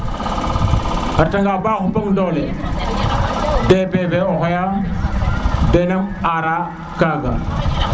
areta nga ba xupong dole DPV o xoya dena ara kaga